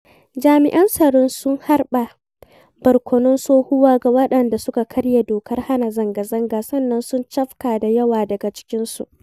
Jami'an tsaro sun harba barkonon tsohuwa ga waɗanda suka karya dokar hana zanga-zangar sannan sun cafke da yawa daga cikinsu.